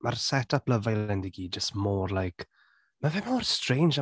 Mae'r set-up Love Island i gyd jyst mor like... ma' fe mor strange.